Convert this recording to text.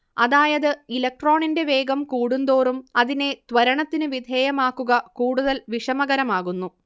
അതായത് ഇലക്ട്രോണിന്റെ വേഗം കൂടും തോറും അതിനെ ത്വരണത്തിന് വിധേയമാക്കുക കൂടുതൽ വിഷമകരമാകുന്നു